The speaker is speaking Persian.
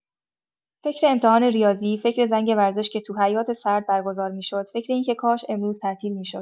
فکر امتحان ریاضی، فکر زنگ ورزش که تو حیاط سرد برگزار می‌شد، فکر این که کاش امروز تعطیل می‌شد.